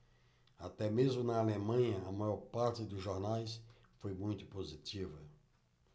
até mesmo na alemanha a maior parte dos jornais foi muito positiva